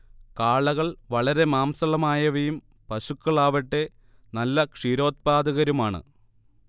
കാളകൾ വളരെ മാംസളമായവയും പശുക്കളാവട്ടെ നല്ല ക്ഷീരോത്പാദകരുമാണ്